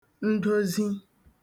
ndozi